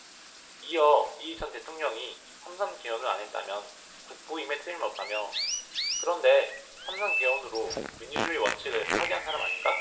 이어 이 전 대통령이 삼 선 개헌을 안했다면 국부임에 틀림없다며 그런데 삼 선 개헌으로 민주주의 원칙을 파괴한 사람 아닌가